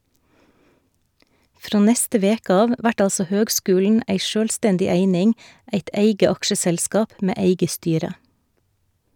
Frå neste veke av vert altså høgskulen ei sjølvstendig eining, eit eige aksjeselskap med eige styre.